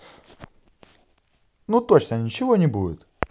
ну точно ничего не будет